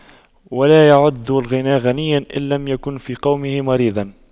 ولا يعد ذو الغنى غنيا إن لم يكن في قومه مرضيا